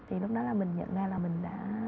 thì lúc đó là mình nhận ra là mình đã